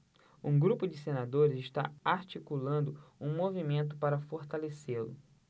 um grupo de senadores está articulando um movimento para fortalecê-lo